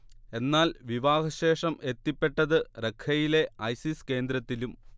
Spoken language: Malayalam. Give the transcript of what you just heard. എന്നാൽ, വിവാഹശേഷം എത്തിപ്പെട്ടത് റഖയിലെ ഐസിസ് കേന്ദ്രത്തിലും